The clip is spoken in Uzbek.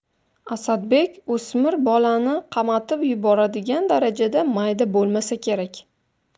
asadbek o'smir bolani qamatib yuboradigan darajada mayda bo'lmasa kerak